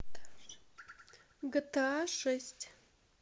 гта шесть